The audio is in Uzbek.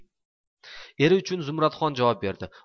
eri uchun zumradxon javob berdi